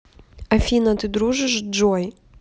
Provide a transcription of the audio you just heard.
афина ты дружишь с джой